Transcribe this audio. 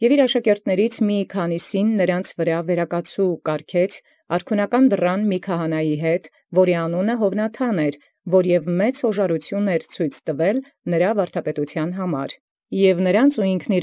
Եւ զոմանս յիւրոց աշակերտացն վերակացուս իւրեանց կացուցանէր, հանդերձ արամբ քահանայիւ արքունական դրանն, որում անունն Յովնաթան կոչէին, որոյ բազում յաւժարութիւն ի վարդապետութենէն էր գտեալ։